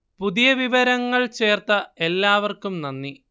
പുതിയ വിവരങ്ങൾ ചേർത്ത എല്ലാവർക്കും നന്ദി